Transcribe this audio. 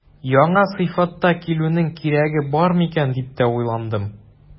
Яңа сыйфатта килүнең кирәге бар микән дип тә уйландым.